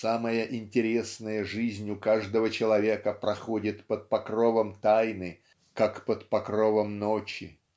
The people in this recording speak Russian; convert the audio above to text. самая интересная жизнь у каждого человека проходит под покровом тайны как под покровом ночи"